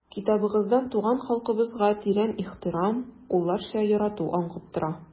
Китабыгыздан туган халкыбызга тирән ихтирам, улларча ярату аңкып тора.